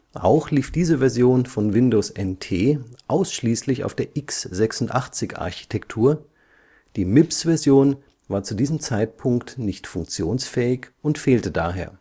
Auch lief diese Version von Windows NT ausschließlich auf der x86-Architektur, die MIPS-Version war zu diesem Zeitpunkt nicht funktionsfähig und fehlte daher